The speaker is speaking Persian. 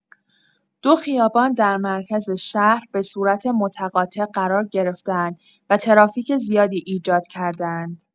دو خیابان در مرکز شهر به صورت متقاطع قرار گرفته‌اند و ترافیک زیادی ایجاد کرده‌اند.